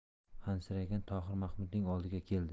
hansiragan tohir mahmudning oldiga keldi